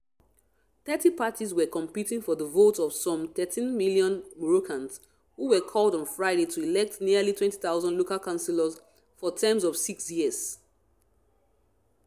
Thirty parties were competing for the votes of some 13 million Moroccans who were called on Friday to elect nearly 20,000 local councilors for terms of six years.